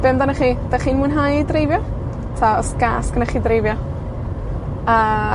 Be' amdanach chi ? 'Dch chi'n mwynhau dreifio? 'Ta o's gas gennoch chi dreifio? A,